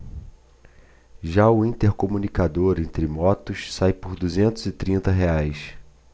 já o intercomunicador entre motos sai por duzentos e trinta reais